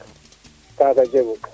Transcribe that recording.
kaga jegu